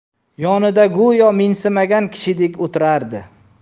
yonida go'yo mensimagan kishidek o'tirardi